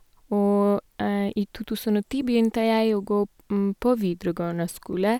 Og i to tusen og ti begynte jeg å gå p på videregående skole.